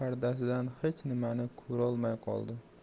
pardasidan hech nimani ko'rolmay qoldi